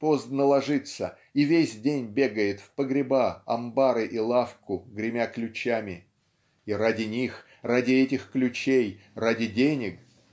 поздно ложится и весь день бегает в погреба амбары и лавку гремя ключами и ради них ради этих ключей ради денег